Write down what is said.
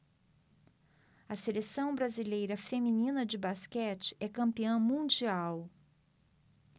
a seleção brasileira feminina de basquete é campeã mundial